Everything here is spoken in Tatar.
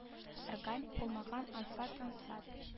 Органик булмаган ансат ансат